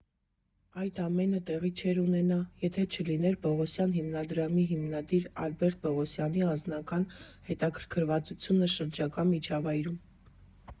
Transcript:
Այդ ամեն տեղի չէր ունենա, եթե չլիներ Պողոսյան հիմնադրամի հիմնադիր Ալբերտ Պողոսյանի անձնական հետաքրքրվածությունը շրջակա միջավայրով։